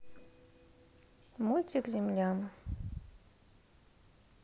мультик земля